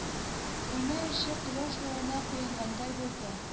Бүлмә эче кояш нурына коенгандай булды